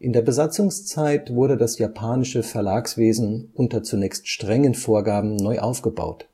der Besatzungszeit wurde das japanische Verlagswesen unter zunächst strengen Vorgaben neu aufgebaut